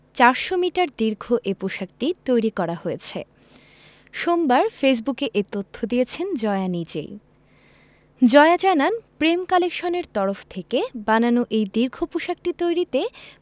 ৪০০ metre দীর্ঘ পোশাকটি তৈরি করা হয়েছে সোমবার ফেসবুকে এ তথ্য দিয়েছেন জয়া নিজেই জয়া জানান প্রেম কালেকশন এর তরফ থেকে বানানো দীর্ঘ পোশাকটি তৈরিতে